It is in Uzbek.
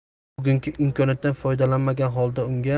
bugungi imkoniyatdan foydalangan holda unga